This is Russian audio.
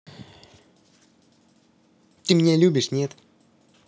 ты меня любишь нет